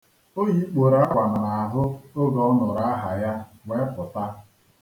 O yikporo akwa n'ahụ oge ọ nuru aha ya, wee pụta.